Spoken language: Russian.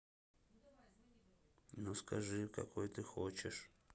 ну скажи какой ты хочешь